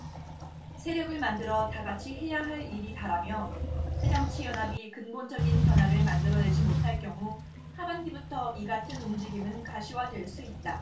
세력을 만들어 다같이 해야할 일이다라며 새정치연합이 근본적이 변화를 만들어내지 못할 경우 하반기부터 이같은 움직임은 가시화될 수 있다